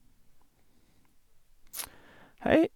Hei.